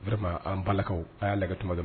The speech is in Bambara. Vraiment an balakaw, aw y'a lajɛ tuma dɔ